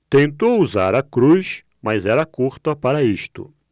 tentou usar a cruz mas era curta para isto